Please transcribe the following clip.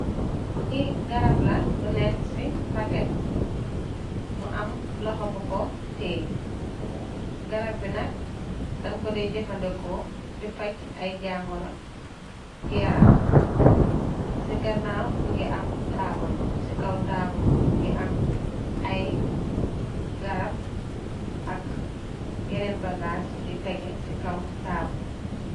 Lii garab la bu neka si paket, mu am loxo bu ko tiye, garab bi nak dej koy jafandikoo di facc ay jangaro yaram, si ganaw mingi am tabul, si kaw tabul bi mingi am ay garab ak yenen bagas yu tege si kaw tabul